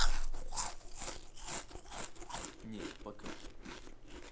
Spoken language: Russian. нет пока